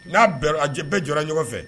N'a bɛ a bɛɛ jɔra ɲɔgɔn fɛ